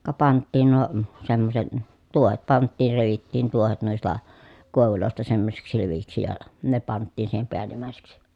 ka pantiin nuo semmoiset tuohet pantiin revittiin tuohet noista koivuista semmoisiksi levyiksi ja ne pantiin siihen päällimmäiseksi